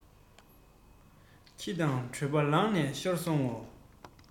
ཁྱི དང གྲོད པ ལག ནས ཤོར སོང ངོ